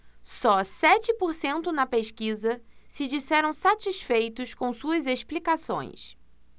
só sete por cento na pesquisa se disseram satisfeitos com suas explicações